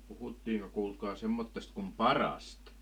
puhuttiinko kuulkaa semmoisesta kuin parasta